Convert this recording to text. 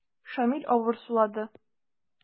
Шамил авыр сулады.